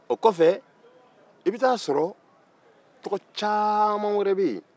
o kɔfɛ i bɛ taa sɔrɔ tɔgɔ caman wɛrɛ bɛ yen